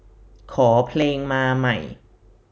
ขอเพลงมาใหม่